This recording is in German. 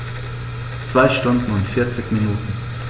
2 Stunden und 40 Minuten